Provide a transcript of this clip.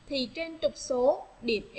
thì trên tập số điểm